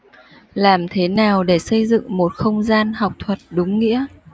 làm thế nào để xây dựng một không gian học thuật đúng nghĩa